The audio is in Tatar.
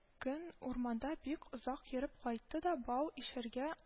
Көн урманда бик озак йөреп кайтты да бау ишәргә